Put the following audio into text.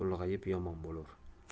bo'lmas ulg'ayib yomon bo'lar